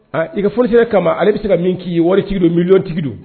A i ka folisise kama ale bɛ se ka min k'i ye wari tigi don miltigiw don